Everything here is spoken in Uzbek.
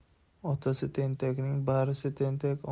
otasi tentakning birisi tentak